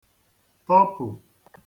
tọpù